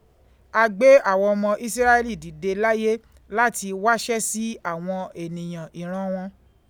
A gbé àwọn ọmọ Ísíráélì dìde láyè láti wáṣẹ́ sí àwọn ènìyàn ìran wọn.